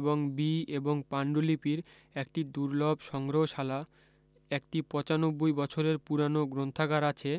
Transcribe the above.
এবং বি এবং পান্ডুলিপির একটি দুর্লভ সংগ্রহশালা একটি পঁচানব্বই বছরের পুরানো গ্রন্থাগার আছে